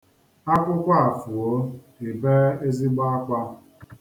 Akwụkwọ a fuo, i bee ezigbo akwa.